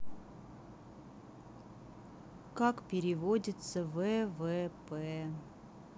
как переводится ввп